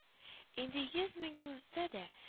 Инде йөз мең ел үтсә дә